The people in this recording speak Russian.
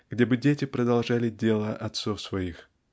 где бы дети продолжали дело отцов своих.